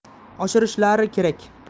oshirishlari kerak